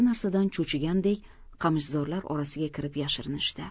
narsadan cho'chigandek qamishzorlar orasiga kirib yashirinishdi